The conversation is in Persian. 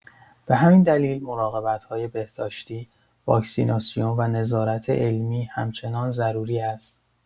به همین دلیل مراقبت‌های بهداشتی، واکسیناسیون و نظارت علمی همچنان ضروری است.